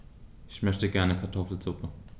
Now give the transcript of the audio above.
Ich möchte gerne Kartoffelsuppe.